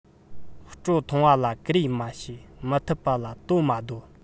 སྤྲོ ཐུང བ ལ ཀུ རེ མ བྱེད མི ཐུབ པ ལ དོ མ སྡོ